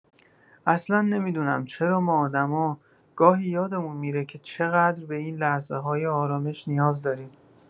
اصلا نمی‌دونم چرا ما آدما گاهی یادمون می‌ره که چقدر به این لحظه‌های آرامش نیاز داریم.